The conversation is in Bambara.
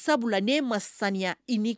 Sabula ne ma saya i ni